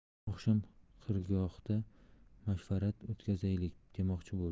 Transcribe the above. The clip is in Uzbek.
oqshom xirgohda mashvarat o'tkazaylik demoqchi bo'ldi